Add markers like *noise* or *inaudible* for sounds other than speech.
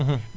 *hesitation* *hesitation*